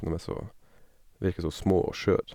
Dem er så virker så små og skjør.